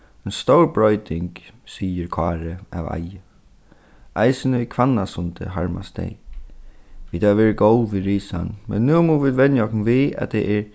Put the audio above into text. ein stór broyting sigur kári av eiði eisini í hvannasundi harmast tey vit hava verið góð við risan men nú mugu vit venja okkum við at tað er